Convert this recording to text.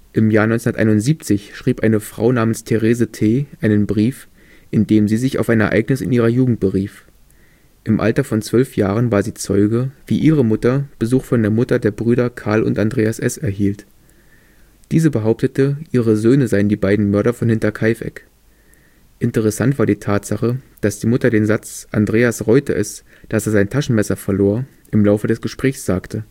Im Jahr 1971 schrieb eine Frau namens Therese T. einen Brief, in dem sie sich auf ein Ereignis in ihrer Jugend berief: Im Alter von zwölf Jahren war sie Zeuge, wie ihre Mutter Besuch von der Mutter der Brüder Karl und Andreas S. erhielt. Diese behauptete, ihre Söhne seien die beiden Mörder von Hinterkaifeck. Interessant war die Tatsache, dass die Mutter den Satz „ Andreas reute es, dass er sein Taschenmesser verlor “im Laufe des Gesprächs sagte